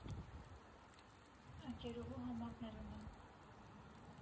Ընկերուհու համարն էլ ունեմ։